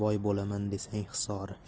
boy bo'laman desang hisori